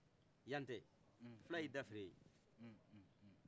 yan tɛ fila y'i da fere ye